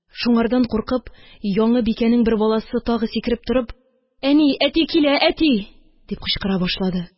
Шуңардан куркып, яңы бикәнең бер баласы, тагы сикереп торып: «Әни! Әти килә, әти!» – дип кычкыра башлады